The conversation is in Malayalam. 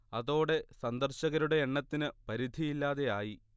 അതോടെ സന്ദർശകരുടെ എണ്ണത്തിന് പരിധിയില്ലാതെ ആയി